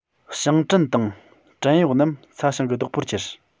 ཞིང བྲན དང བྲན གཡོག རྣམས ས ཞིང གི བདག པོར གྱུར